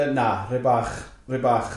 Yy na, rhai bach, rai bach.